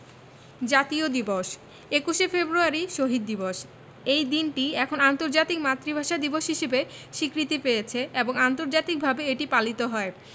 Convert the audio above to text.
জাতীয় দিবসঃ ২১শে ফেব্রুয়ারি শহীদ দিবস এই দিনটি এখন আন্তর্জাতিক মাতৃভাষা দিবস হিসেবে স্বীকৃতি পেয়েছে এবং আন্তর্জাতিকভাবে এটি পালিত হয়